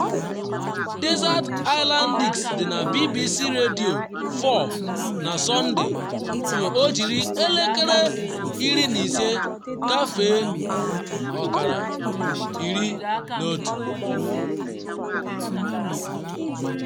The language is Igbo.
Desert Island Discs dị na BBC Radio 4 na Sọnde na 11:15 BST.